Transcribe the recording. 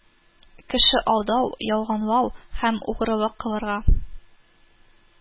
Кеше алдау, ялганлау һәм угрылык кылырга